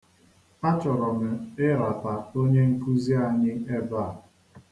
Achọrọ m ịrata onye nkụzi anyị ebe a.